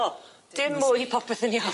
O, dim mwy popeth yn iawn.